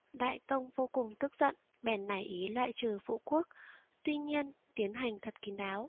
đại tông vô cùng tức giận bèn nảy ý loại trừ phụ quốc tuy nhiên tiến hành thật kín đáo